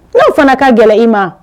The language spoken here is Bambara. Ko a fana ka gɛlɛ i ma wa ?